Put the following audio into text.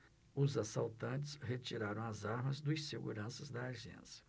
os assaltantes retiraram as armas dos seguranças da agência